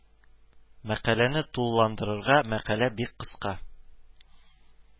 Мәкаләне тулыландырырга мәкалә бик кыска